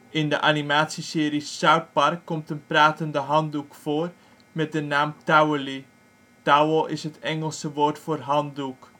In de animatieserie South Park komt een pratende handdoek voor, met de naam Towelie. Towel is het Engelse woord voor handdoek